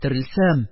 Терелсәм,